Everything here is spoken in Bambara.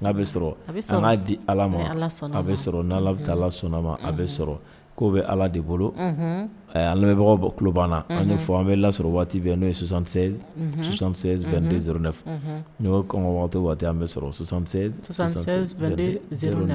N'a bɛ sɔrɔ san' di ala ma a bɛ sɔrɔ n' bɛ taa ala sɔnna ma a bɛ sɔrɔ ko bɛ ala de bolo anbagaw ku banna ani fɔ an bɛ lasɔrɔ waati bɛ n'o yesanfɛ n'o kɔn waati waati an bɛ sɔrɔsan